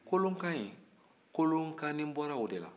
kolonkan in kolonkani bɔra o de la